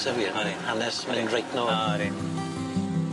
O's e wir. Ydi.Hanes man 'yn reit nôl. O ydi!